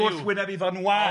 Y gwrthwyneb iddo'n wan.